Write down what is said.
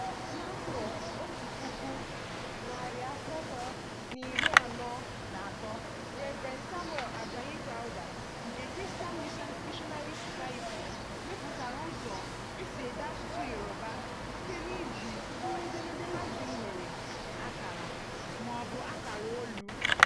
N'afọ 1843, Reverend Samuel Àjàyí Crowther nke Christian Missionary Society mepụtara ụzọ e si ede asụsụ Yorùbá site n'iji mkpụrụedemede Latin nwere akara — ma ọ bụ akara olu.